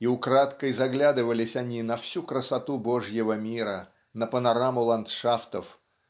и украдкой заглядывались они на всю красоту Божьего мира на панораму ландшафтов